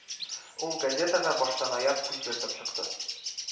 Ул газетага баштанаяк күз йөртеп чыкты